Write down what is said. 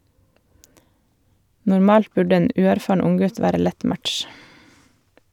Normalt burde en uerfaren unggutt være lett match.